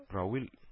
Рауил